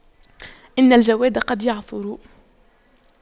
إن الجواد قد يعثر